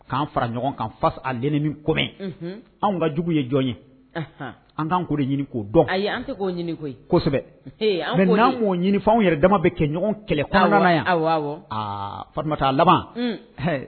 K'an fara ɲɔgɔn ka fa ini kɔ mɛn an ka jugu ye jɔn ye an k'an ko ɲini k'o dɔn ayi an tɛ k'o k'o ɲinianw yɛrɛ dama bɛ kɛ ɲɔgɔn kɛlɛ yan'a laban